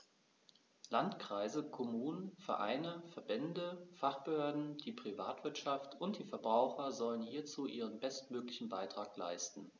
Landkreise, Kommunen, Vereine, Verbände, Fachbehörden, die Privatwirtschaft und die Verbraucher sollen hierzu ihren bestmöglichen Beitrag leisten.